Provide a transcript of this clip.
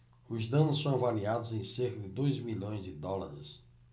os danos são avaliados em cerca de dois milhões de dólares